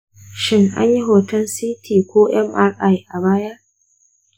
shin anyi hoton ct ko mri a baya?